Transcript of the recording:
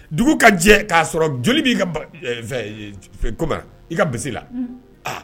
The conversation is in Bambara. Dugu ka jɛ k'a sɔrɔ joli b' ka ko i ka bilisi la